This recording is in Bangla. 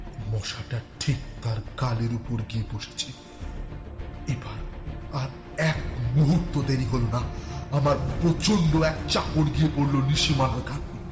মশাটা ঠিক তার গালের ওপর গিয়ে বসেছে এবার আর এক মুহূর্ত দেরি হলো না আমার প্রচন্ড এক চাপড় গিয়ে পুরো নিশি মারার গালে